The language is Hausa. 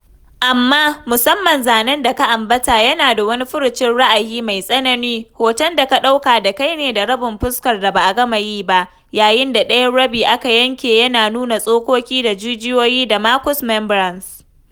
Amma, musamman, zanen da ka ambata yana da wani furucin ra’ayi mai tsanani: Hoton da ka ɗauka da kai ne da rabin fuskar da ba a gama yi ba, yayin da ɗayan rabi aka yanke, yana nuna tsokoki da jijiyoyi da mucous membranes.